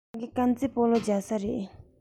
ཕ གི རྐང རྩེད སྤོ ལོ རྒྱག ས རེད པས